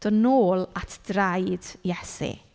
Dod nôl at draed Iesu.